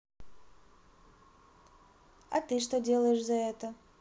а ты что делаешь за это